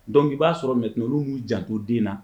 Dɔnku i b'a sɔrɔ mɛtr'u janto den na